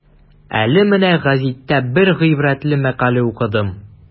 Әле менә гәзиттә бер гыйбрәтле мәкалә укыдым.